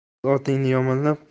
o'z otingni yomonlab